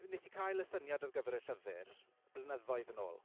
Wnes i gael y syniad ar gyfer y llyfr blynyddoedd yn ôl.